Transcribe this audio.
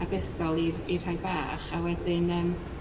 ac ysgol i i rhai bach a wedyn yym